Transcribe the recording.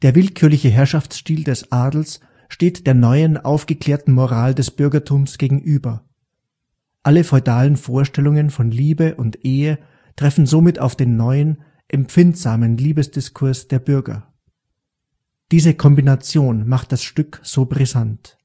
willkürliche Herrschaftsstil des Adels steht der neuen aufgeklärten Moral des Bürgertums gegenüber. Alle feudalen Vorstellungen von Liebe und Ehe treffen somit auf den neuen empfindsamen Liebesdiskurs der Bürger. Diese Kombination macht das Stück so brisant